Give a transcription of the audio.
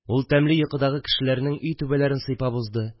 Ул тәмле йокыдагы кешеләрнең өй түбәләрен сыйпап узды